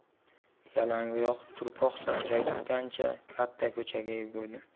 yalangoyoq tuproq sachratgancha katta ko'chaga yugurdim